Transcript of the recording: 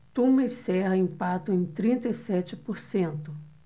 tuma e serra empatam em trinta e sete por cento